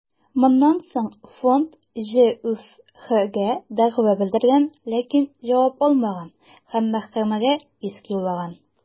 Моннан соң фонд ҖҮФХгә дәгъва белдергән, ләкин җавап алмаган һәм мәхкәмәгә иск юллаган.